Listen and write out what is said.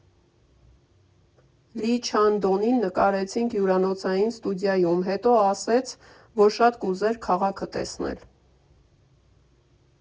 Լի Չան֊դոնին նկարեցինք հյուրանոցային ստուդիայում, հետո ասեց, որ շատ կուզեր քաղաքը տեսնել։